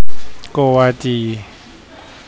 โกวาจี